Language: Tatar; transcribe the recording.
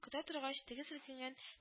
Көтә торгач, теге селкенгән